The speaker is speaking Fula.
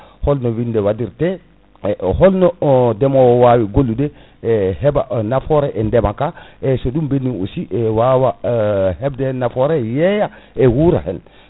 holno winnde waɗirte e holno o ndeemowo waawi gollude heɓa nafoore ndeema ka eyyi so ɗum ɓenni aussi wawa hebde hen nafoore yeya e wura hen